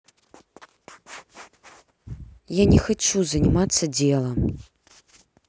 я не хочу заниматься делом